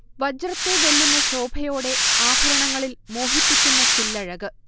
വജ്രത്തെ വെല്ലുന്ന ശോഭയോടെ ആഭരണങ്ങളിൽ മോഹിപ്പിക്കുന്ന ചില്ലഴക്